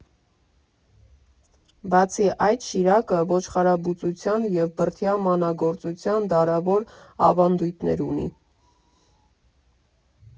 Բացի այդ՝ Շիրակը ոչխարաբուծության և բրդյա մանածագործության դարավոր ավանդույթներ ունի։